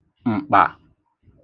m̀kpà